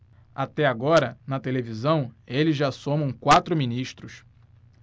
até agora na televisão eles já somam quatro ministros